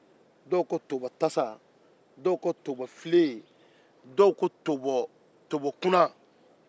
dɔw ko tobɔtasa dɔw ko tobɔfilen dɔw ko tobɔkunan